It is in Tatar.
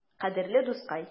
Кадерле дускай!